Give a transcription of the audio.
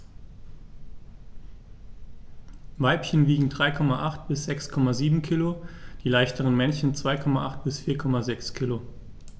Weibchen wiegen 3,8 bis 6,7 kg, die leichteren Männchen 2,8 bis 4,6 kg.